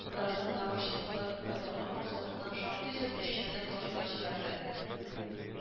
Гражданнар ачыклы кайтару максатыннан шактый зур эшчәнлек башлап җибәрде